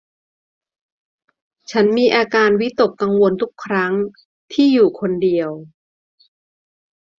ฉันมีอาการวิตกกังวลทุกครั้งที่อยู่คนเดียว